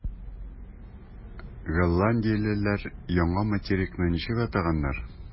Голландиялеләр яңа материкны ничек атаганнар?